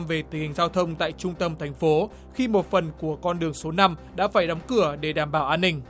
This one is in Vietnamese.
về tình hình giao thông tại trung tâm thành phố khi một phần của con đường số năm đã phải đóng cửa để đảm bảo an ninh